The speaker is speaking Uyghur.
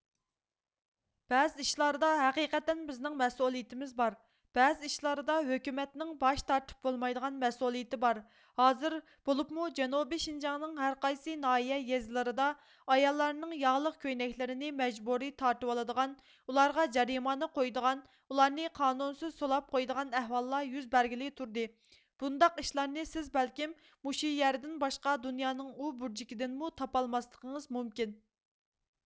بەزى ئىشلاردا ھەقىقەتەن بىزنڭ مەسئۇلىيتىمىز بار بەزى ئىشلاردا ھۆكۈمەتنڭ باش تارتىپ بولمايدىغان مەسئۇلىيتى بار ھازىر بۇلۇپمۇ جەنۇبى شىنجاڭنىڭ ھەر قايسى ناھىيە يېزىلىردا ئاياللارنڭ ياغلىق كۆينەكلىرنى مەجبۇرى تارتىۋالىدىغان ئۇلارغا جەرىمانە قويىدىغان ئۇلارنى قانۇسىز سولاپ قويىدىغان ئەھۋاللار يۈز بەرگىلى تۇردى بۇنداق ئىشلارنى سىز بەلكىم مۇشۇ يەردىن باشقا دۇنيانىڭ ئۇبۇرجىكىدىنمۇ تاپالماسلقىڭىز مۇمكىن